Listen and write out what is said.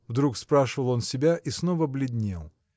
– вдруг спрашивал он себя и снова бледнел.